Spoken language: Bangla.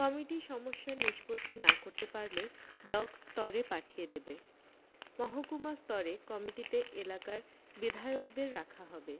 কমিটি সমস্যার নিষপত্তি করতে না পারলে ব্লক স্তরে পাঠিয়ে দেবে মহকুমা স্তরে কমিটিতে এলাকার বিধায়কদের রাখা হবে